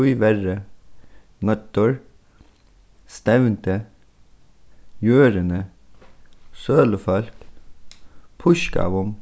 tíverri noyddur stevndi jørðini sølufólk pískaðum